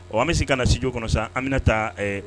Wa an bɛ se ka na sdi kɔnɔ san anmina taa